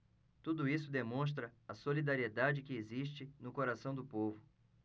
tudo isso demonstra a solidariedade que existe no coração do povo